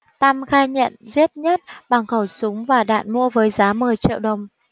tăm khai nhận giết nhất bằng khẩu súng và đạn mua với giá mười triệu đồng